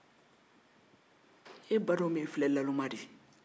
a badenw b'i filɛ naloma de ye